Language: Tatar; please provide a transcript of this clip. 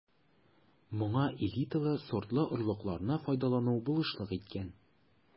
Моңа элиталы сортлы орлыкларны файдалану булышлык иткән.